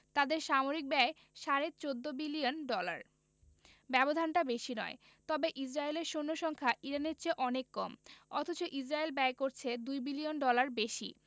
তাদের সামরিক ব্যয় সাড়ে ১৪ বিলিয়ন ডলার ব্যবধানটা বেশি নয় তবে ইসরায়েলের সৈন্য সংখ্যা ইরানের চেয়ে অনেক কম অথচ ইসরায়েল ব্যয় করছে ২ বিলিয়ন ডলার বেশি